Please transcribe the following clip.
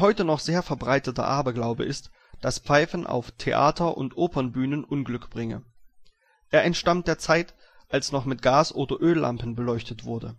heute noch sehr verbreiteter Aberglaube ist, dass Pfeifen auf Theater - oder Opernbühnen Unglück bringe. Er entstammt der Zeit, als noch mit Gas - oder Öllampen beleuchtet wurde.